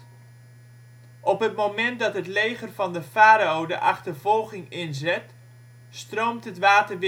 van de farao de achtervolging inzet stroomt het water